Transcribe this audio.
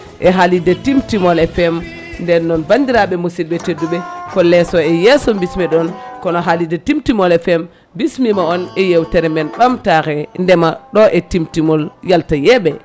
e haalirde Timtimol FM nden noon bandiraɓe musidɓe tedduɓe ko leeso e yesso bismeɗon kono haalirde Timtimol FM bismima on e yewtere men ɓamtare ndeema ɗo e Timtimol yalta yeeɓe